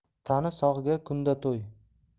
tani sog'ga kunda to'y